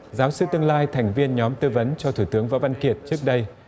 giáo sư tương lai thành viên nhóm tư vấn cho thủ tướng võ văn kiệt trước đây